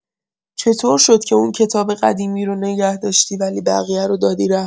چطور شد که اون کتاب قدیمی رو نگه داشتی ولی بقیه رو دادی رفت؟